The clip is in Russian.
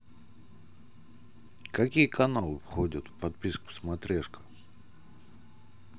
какие каналы входят в подписку смотрешка